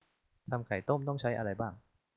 ทำไข่ต้มต้องใช้อะไรบ้าง